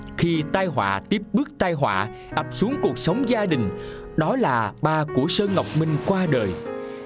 khi tai họa tiếp bước tai họa ập xuống cuộc sống gia đình đó là ba của sơn ngọc minh qua đời